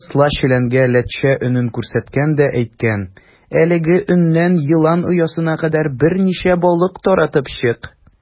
Кысла челәнгә ләтчә өнен күрсәткән дә әйткән: "Әлеге өннән елан оясына кадәр берничә балык таратып чык".